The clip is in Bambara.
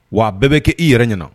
Wa bɛɛ bɛ kɛ i yɛrɛ ɲɛna